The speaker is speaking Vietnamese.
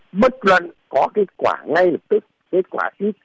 bất luận có kết quả ngay lập tức kết quả ít